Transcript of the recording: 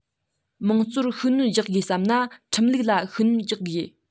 དམངས གཙོར ཤུགས སྣོན རྒྱག དགོས བསམས ན ཁྲིམས ལུགས ལ ཤུགས སྣོན རྒྱག དགོས